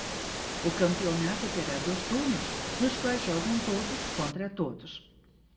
o campeonato terá dois turnos nos quais jogam todos contra todos